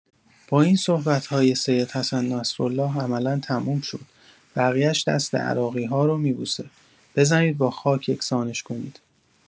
با این صحبت‌های سید حسن نصرالله عملا تموم شد، بقیش دست عراقی‌ها رو می‌بوسه، بزنید با خاک یکسانش کنید.